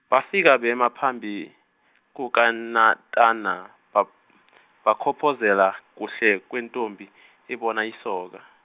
bafika bema phambi kukaNatana bakhophozela kuhle kwentombi ibona isoka.